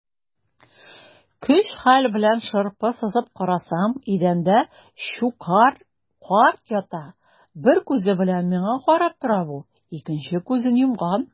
Көч-хәл белән шырпы сызып карасам - идәндә Щукарь карт ята, бер күзе белән миңа карап тора бу, икенче күзен йомган.